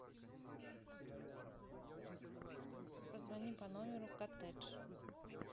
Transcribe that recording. позвони по номеру коттедж